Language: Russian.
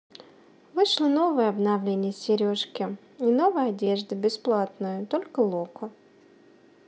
вышло новое обновление сережки и новая одежда бесплатное только локо